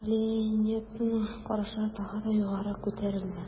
Поляницаның кашлары тагы да югарырак күтәрелде.